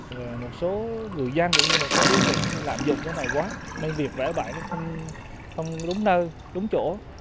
à một số người dân cũng như một số đối tượng đang lạm dụng cái này quá nên việc vẽ bậy nó không không đúng nơi đúng chỗ